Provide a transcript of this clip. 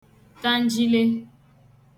tangele